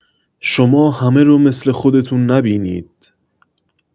شما همه رو مثل خودتون نبینید